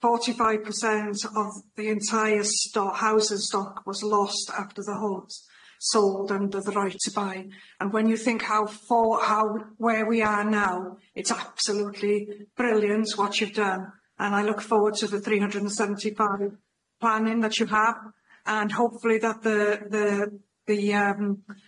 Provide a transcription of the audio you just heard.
forty five percent of the entire sto- houses stock was lost after the homes sold under the right to buy, and when you think how fo- how where we are now it's absolutely brilliant what you've done, and I look forward to the three hundred and seventy five planning that you have, and hopefully that the the the um